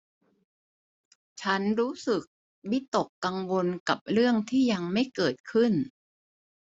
ฉันรู้สึกวิตกกังวลกับเรื่องที่ยังไม่เกิดขึ้น